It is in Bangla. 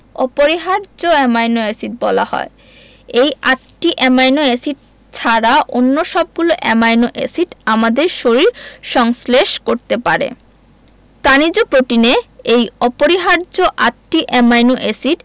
অপরিহার্য অ্যামাইনো এসিড বলা হয় এই আটটি অ্যামাইনো এসিড ছাড়া অন্য সবগুলো অ্যামাইনো এসিড আমাদের শরীর সংশ্লেষ করতে পারে প্রাণিজ প্রোটিনে এই অপরিহার্য আটটি অ্যামাইনো এসিড